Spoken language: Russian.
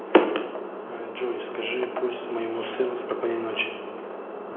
джой скажи пусть моему сыну спокойной ночи